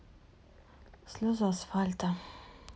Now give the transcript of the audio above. слезы асфальта